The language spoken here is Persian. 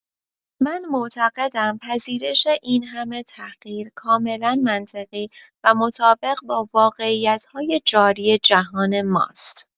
من معتقدم پذیرش این همه تحقیر کاملا منطقی و مطابق با واقعیت‌های جاری جهان ماست.